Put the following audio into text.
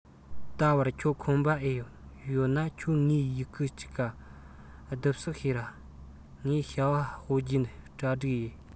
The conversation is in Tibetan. ད བར ཁྱོད ཁོམ པ ཨེ ཡོད ཡོད ན ཁྱོས ངའི ཡུའུ གི ཅག ག བསྡུ གསོག བྱོས ར ངས བྱ བ སྤོད རྒྱུའོ གྲ སྒྲིག ཡེད